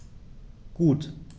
Gut.